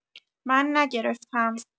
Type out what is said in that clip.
من نگرفتم